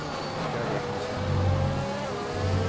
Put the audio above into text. grækarismessan